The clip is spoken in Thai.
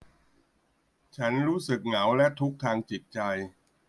ฉันรู้สึกเหงาและทุกข์ทางจิตใจ